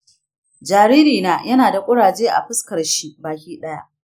jaririna yana da kuraje a fuskarshi baki ɗaya.